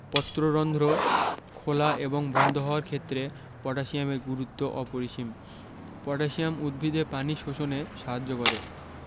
পত্ররন্ধ্র খেলা এবং বন্ধ হওয়ার ক্ষেত্রে পটাশিয়ামের গুরুত্ব অপরিসীম পটাশিয়াম উদ্ভিদে পানি শোষণে সাহায্য করে